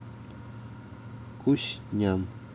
кусь ням